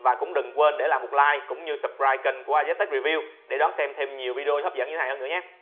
và cũng đừng quên để lại like cũng như subscribe kênh của az tech review để đón xem thêm nhiều video hấp dẫn như thế này hơn nữa nhé